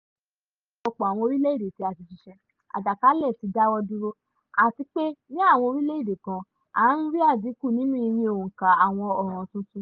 Ní ọ̀pọ̀lọpọ̀ àwọn orílẹ̀ èdè tí a ti ṣiṣẹ́, àjàkálẹ̀ ti dáwọ́ dúró, àti pé ní àwọn orílẹ̀ èdè kan à ń rí àdínkù nínú iye òǹkà àwọn ọ̀ràn tuntun.